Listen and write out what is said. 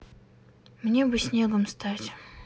мне бы снегом стать